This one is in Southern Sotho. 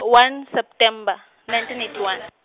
one September, nineteen eighty one.